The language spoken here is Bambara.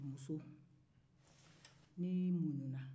muso n'i muɲu na